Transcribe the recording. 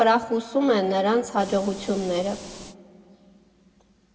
խրախուսում է նրանց հաջողությունները։